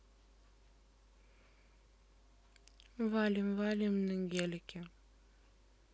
валим валим на гелике